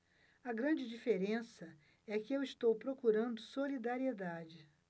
a grande diferença é que eu estou procurando solidariedade